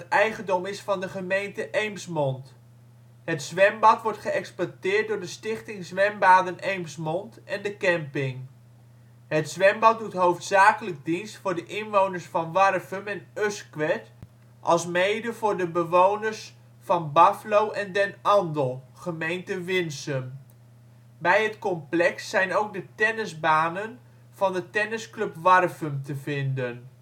eigendom is van de gemeente Eemsmond. Het zwembad wordt geëxploiteerd door de stichting Zwembaden Eemsmond en de camping. Het zwembad doet hoofdzakelijk dienst voor de inwoners van Warffum en Usquert alsmede voor de bewoners van Baflo en Den Andel (gemeente Winsum). Bij het complex zijn ook de tennisbanen van de Tennisclub Warffum te vinden